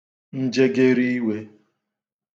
njegeriiwe